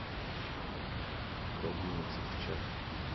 сто одиннадцать в чат